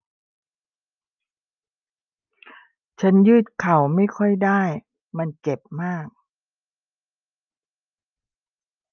ฉันยืดเข่าออกไม่ค่อยได้มันเจ็บมาก